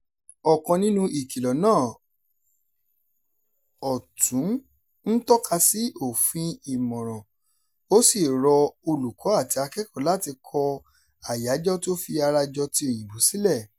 Ọ̀kan nínú ìkìlọ̀ náà (ọ̀tún) ń tọ́ka sí òfin "Ìmọ̀ràn" ó sì rọ olùkọ́ àti akẹ́kọ̀ọ́ láti kọ àyájọ́ tí ó fi ara jọ ti Òyìnbó sílẹ̀.